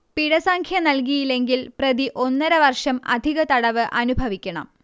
പിഴസംഖ്യ നൽകിയില്ലെങ്കിൽ പ്രതി ഒന്നരവർഷം അധിക തടവ് അനുഭവിക്കണം